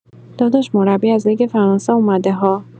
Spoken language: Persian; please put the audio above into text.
داداش مربی از لیگ فرانسه اومده ها